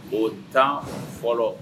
O'o tan fɔlɔ